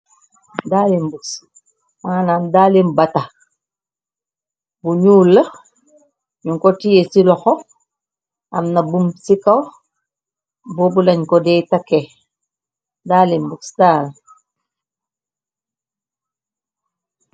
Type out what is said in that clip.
daalimbuks manam dalim bata bu ñuul la ñu ko tiee ci loxo am na bum ci kaw bobu lañ ko dey take daalimbuk daal